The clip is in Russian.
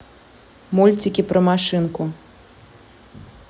мультики про машинку